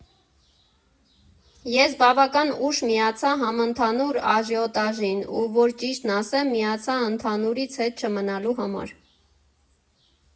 Ես բավական ուշ միացա համընդհանուր աժիոտաժին, ու, որ ճիշտն ասեմ, միացա ընդհանուրից հետ չմնալու համար։